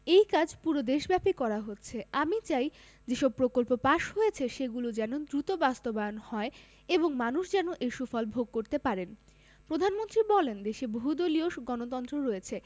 এই কাজ পুরো দেশব্যাপী করা হচ্ছে আমি চাই যেসব প্রকল্প পাস হয়েছে সেগুলো যেন দ্রুত বাস্তবায়ন হয় এবং মানুষ যেন এর সুফল ভোগ করতে পারেন প্রধানমন্ত্রী বলেন দেশে বহুদলীয় গণতন্ত্র রয়েছে